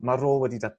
ma' rôl wedi